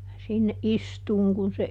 ja sinne istumaan kun se